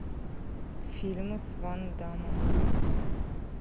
фильмы с ван даммом